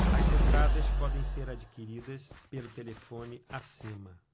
as entradas podem ser adquiridas pelo telefone acima